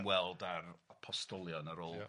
i ymweld a'r y postolion ar ôl